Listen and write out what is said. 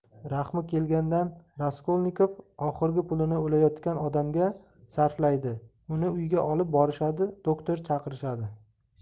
rahmi kelganidan raskolnikov oxirgi pulini o'layotgan odamga sarflaydi uni uyga olib borishadi doktor chaqirishadi